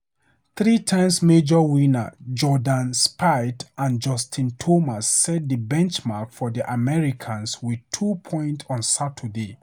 Three-times major winner Jordan Spieth and Justin Thomas set the benchmark for the Americans with two points on Saturday.